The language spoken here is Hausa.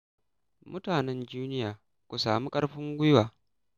Mutanen Guinea, ku sami ƙarfin guiwa!